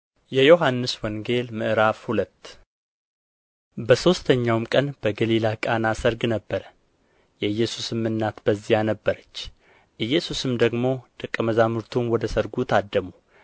የዮሐንስ ወንጌል ምዕራፍ ሁለት በሦስተኛውም ቀን በገሊላ ቃና ሰርግ ነበረ የኢየሱስም እናት በዚያ ነበረች ኢየሱስም ደግሞ ደቀ መዛሙርቱም ወደ ሰርጉ ታደሙ